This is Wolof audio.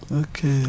ok